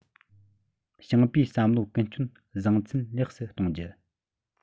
ཞིང པའི བསམ བློ ཀུན སྤྱོད བཟང ཚད ལེགས སུ གཏོང རྒྱུ